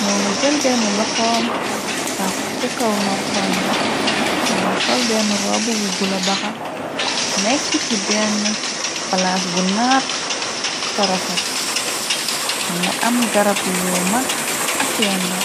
moo ma jël benn loxoom taf ci kaw noppomba moo ngu sol benn rob bu bula baxax nekk ci benn palaas bu naat tarafet nga am garab yu mag ak yoo ndaw.